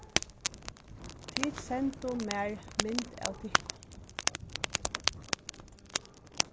tit sendu mær mynd av tykkum